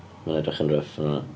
Mae o'n edrych yn rough yn hwnna.